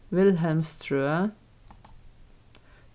vilhelmstrøð